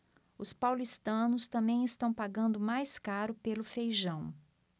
os paulistanos também estão pagando mais caro pelo feijão